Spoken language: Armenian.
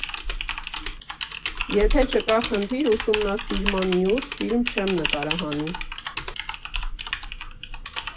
Եթե չկա խնդիր, ուսումնասիրման նյութ՝ ֆիլմ չեմ նկարահանի։